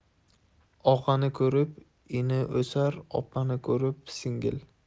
og'ani ko'rib ini o'sar opani ko'rib singil